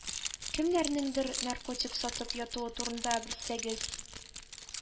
Кемнәрнеңдер наркотик сатып ятуы турында белсәгез,